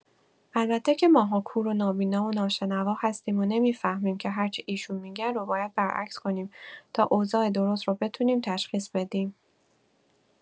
البته که ماها کور و نابینا و ناشنوا هستیم و نمی‌فهمیم که هرچی ایشون می‌گه رو باید برعکس کنیم تا اوضاع درست رو بتونیم تشخیص بدیم.